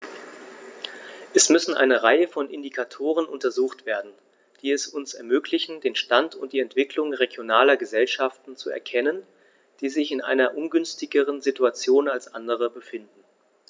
Es müssen eine Reihe von Indikatoren untersucht werden, die es uns ermöglichen, den Stand und die Entwicklung regionaler Gesellschaften zu erkennen, die sich in einer ungünstigeren Situation als andere befinden.